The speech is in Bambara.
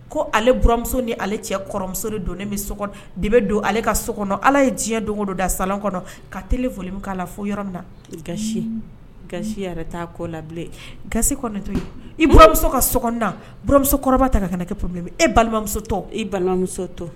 Ko alemuso ni ale cɛmuso de don ne bɛ so kɔnɔ de bɛ don ale ka so kɔnɔ ala ye diɲɛ don don da sa kɔnɔ ka t k'a la fo yɔrɔ min na ka ga yɛrɛ taa ko la gatɔ imuso ka somuso kɔrɔba ta ka kɛ pbi e balimamuso e balimamuso to